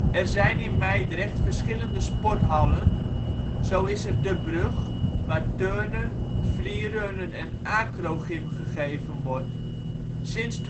zijn in Mijdrecht verschillende sporthallen, zo is er de Brug waar turnen, freerunnen en acrogym gegeven wordt. Sinds